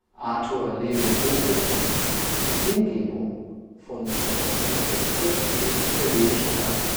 Arthur Lewin-Funcke: Hingebung von 1916 im Italienischen Garten